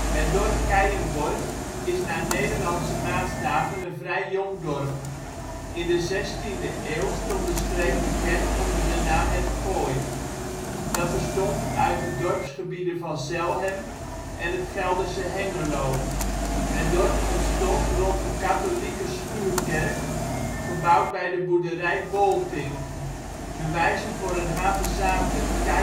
Het dorp Keijenborg is naar Nederlandse maatstaven een vrij jong dorp. In de zestiende eeuw stond de streek bekend onder de naam Het Gooi, dat bestond uit de dorpsgebieden van Zelhem en het Gelderse Hengelo. Het dorp ontstond rond een katholiekeschuurkerk, gebouwd bij de boerderij Booltink. Bewijzen voor een havezathe ‘Cijbergen’